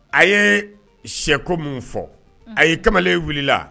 A ye sɛko min fɔ a'i kamalen wulila